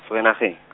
Vereeniging .